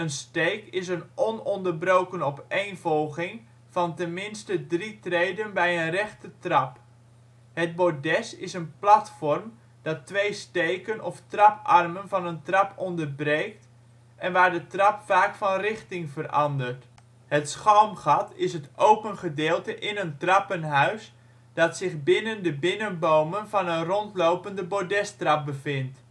steek is een ononderbroken opeenvolging van ten minste drie treden bij een rechte trap. Het bordes is een platform dat twee steken of traparmen van een trap onderbreekt en waar de trap vaak van richting verandert. Het schalmgat is het open gedeelte in een trappenhuis dat zich binnen de binnenbomen van een rondlopende bordestrap bevindt